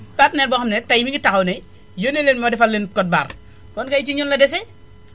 partenaire boo xam ne tay mi ngi taxaw ne yónnee leen ma ma defal leen code barre kon kay ci ñun la dese